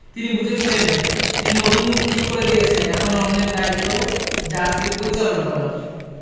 তিনি বুঝেছিলেন তিনি অভিমুখ ঠিক করে দিয়েছেন এখন অন্যের দায়িত্ব জাহাজটি পরিচালনা করা